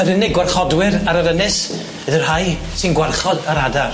Yr unig gwarchodwyr ar yr ynys ydi'r rhai sy'n gwarchod yr adar.